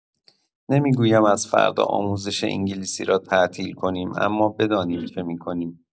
نمی‌گویم از فردا آموزش انگلیسی را تعطیل کنیم، اما بدانیم چه می‌کنیم.